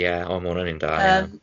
Ie o ma' hwnan un da iawn.